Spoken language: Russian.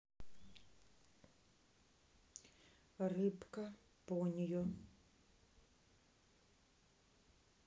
рыбка поньо